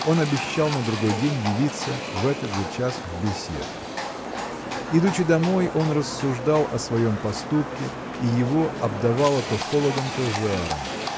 он обещал на другой день явиться в этот же час в беседку. Идучи домой он рассуждал о своем поступке и его обдавало то холодом то жаром.